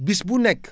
bis bu nekk